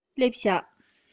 སླེབས བཞག